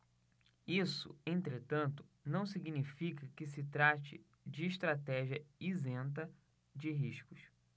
isso entretanto não significa que se trate de estratégia isenta de riscos